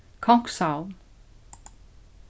kongshavn